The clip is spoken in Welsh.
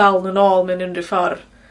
dal n'w nôl mewn unryw ffor.